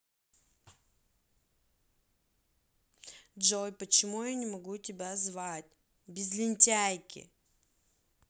джой почему я не могу тебя звать без лентяйки